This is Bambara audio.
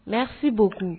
Nesi b'o kun